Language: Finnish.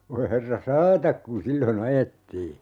voi herra saata kun silloin ajettiin